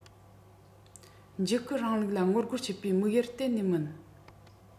འཇིགས སྐུལ རིང ལུགས ལ ངོ རྒོལ བྱེད པའི དམིགས ཡུལ གཏན ནས མིན